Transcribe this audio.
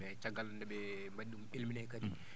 eeyi caggal nde ɓe mbaɗi ɗum éliminé kadi